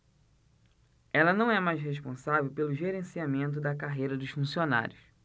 ela não é mais responsável pelo gerenciamento da carreira dos funcionários